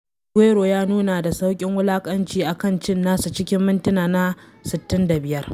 Aguero ya nuna da saukin wulakanci a kan cin nasa cikin mintina na 65.